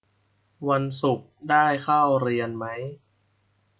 วันศุกร์ได้เข้าเรียนมั้ย